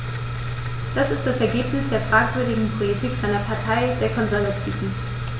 Das ist das Ergebnis der fragwürdigen Politik seiner Partei, der Konservativen.